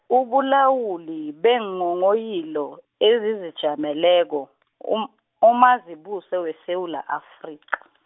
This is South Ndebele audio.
ubulawuli beenghonghoyilo, ezizijameleko, UM-, uMazibuse weSewula Afrika.